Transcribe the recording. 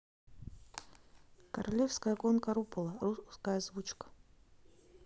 королевская гонка рупола русская озвучка